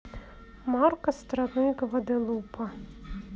марка страны гваделупа